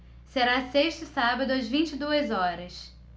será sexta e sábado às vinte e duas horas